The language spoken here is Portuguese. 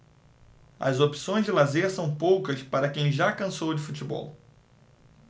as opções de lazer são poucas para quem já cansou de futebol